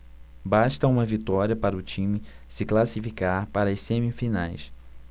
basta uma vitória para o time se classificar para as semifinais